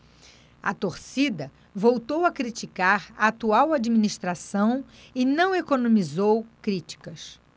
a torcida voltou a criticar a atual administração e não economizou críticas